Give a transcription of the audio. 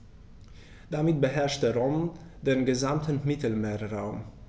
Damit beherrschte Rom den gesamten Mittelmeerraum.